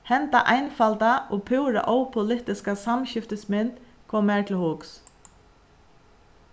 henda einfalda og púra ópolitiska samskiftismynd kom mær til hugs